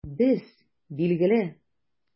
Без, билгеле!